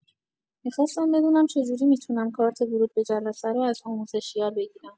می‌خاستم بدونم چجوری می‌تونم کارت ورود به جلسه رو از آموزشیار بگیرم؟